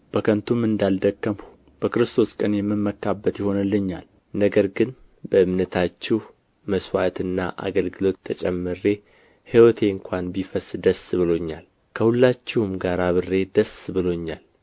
በከንቱም እንዳልደከምሁ በክርስቶስ ቀን የምመካበት ይሆንልኛል ነገር ግን በእምነታችሁ መሥዋዕትና አገልግሎት ተጨምሬ ሕይወቴ እንኳ ቢፈስ ደስ ብሎኛል ከሁላችሁም ጋር አብሬ ደስ ብሎኛል